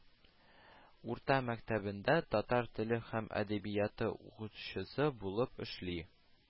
Урта мәктәбендә татар теле һәм әдәбияты укытучысы булып эшли